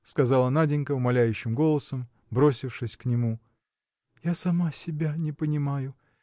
– сказала Наденька умоляющим голосом бросившись к нему – я сама себя не понимаю.